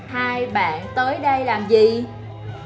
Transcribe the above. hai bạn tới đây làm gì